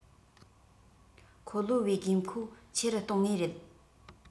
ཁོ ལོ བའི དགོས མཁོ ཆེ རུ གཏོང ངེས རེད